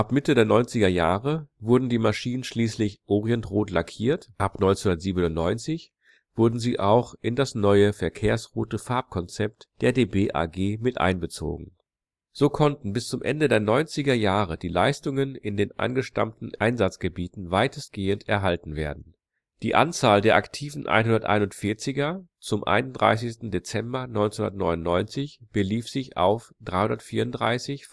Mitte der neunziger Jahre wurden die Maschinen schließlich orientrot lackiert, ab 1997 wurden sie auch in das neue verkehrsrote Farbkonzept der DB AG miteinbezogen. So konnten bis zum Ende der neunziger Jahre die Leistungen in den angestammten Einsatzgebieten weitestgehend erhalten werden; die Anzahl der aktiven 141er zum 31. Dezember 1999 belief sich auf 334